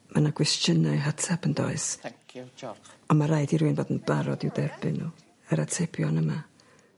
ma' 'na gwestiynau i'w hateb yndoes? Thank you diolch. A ma' raid i rywun fod yn barod i'w derbyn n'w yr atebion yma.